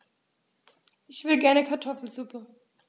Ich will gerne Kartoffelsuppe.